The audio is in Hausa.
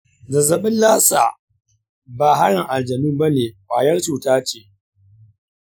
zazzabin lassa ba harin aljanu bane; kwayar cuta ce.